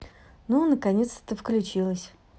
ну наконец ты включилась